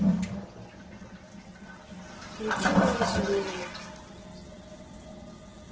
включи ларису долину